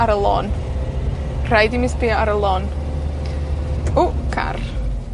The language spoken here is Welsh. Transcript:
ar y lôn, rhaid i mi sbïo ar y lôn. Ww, car!